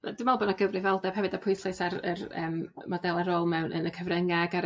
R- dwi me'wl bo' 'na gyfrifoldeb hefyd a pwyslais ar yr yym modela rôl mewn yn y cyfrynge ag ar